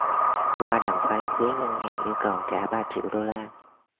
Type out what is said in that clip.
qua đàm phán phía ngân hàng yêu cầu trả ba triệu đô la